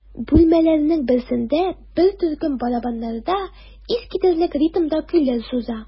Бүлмәләрнең берсендә бер төркем барабаннарда искитәрлек ритмда көйләр суза.